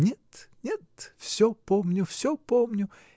— Нет, нет — всё помню, всё помню!